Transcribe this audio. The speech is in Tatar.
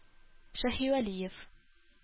Шаһивәлиев